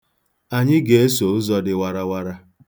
Anyị ga-eso ụzọ dị warawara.